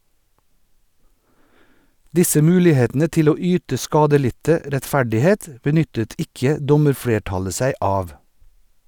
Disse mulighetene til å yte skadelidte rettferdighet, benyttet ikke dommerflertallet seg av.